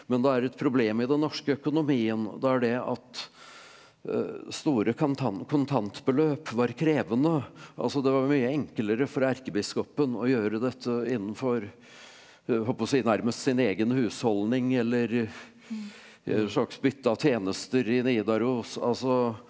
men det er et problem i den norske økonomien og det er det at store kontantbeløp var krevende, altså det var mye enklere for erkebiskopen å gjøre dette innenfor holdt på å si nærmest sin egen husholdning eller en slags bytte av tjenester i Nidaros altså.